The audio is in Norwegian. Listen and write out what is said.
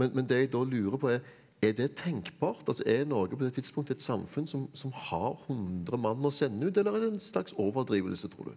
men men det jeg da lurer på er er det tenkbart altså er Norge på det tidspunkt et samfunn som som har 100 mann å sende ut, eller er det en slags overdrivelse tror du?